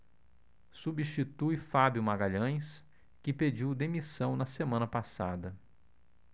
substitui fábio magalhães que pediu demissão na semana passada